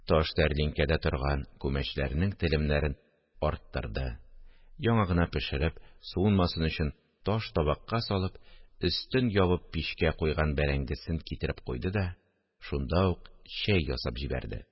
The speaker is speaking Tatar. Таш тәлинкәдә торган күмәчләрнең телемнәрен арттырды, яңа гына пешереп, суынмасын өчен таш табакка салып, өстен ябып пичкә куйган бәрәңгесен китереп куйды да шунда ук чәй ясап җибәрде